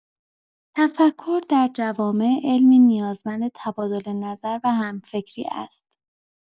تفکر در جوامع علمی نیازمند تبادل‌نظر و همفکری است.